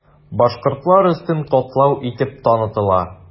Башкортлар өстен катлау итеп танытыла.